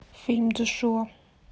фильм джошуа